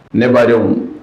Ne badenw